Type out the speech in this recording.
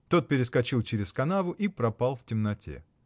Тот перескочил чрез канаву и пропал в темноте.